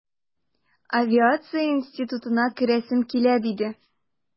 Авиация институтына керәсем килә, диде...